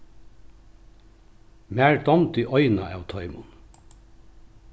mær dámdi eina av teimum